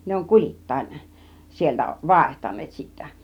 ne on kulittain sieltä vaihtaneet sitten